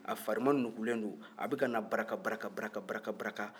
a fari manugulen don a bɛ ka na baraka baraka baraka baraka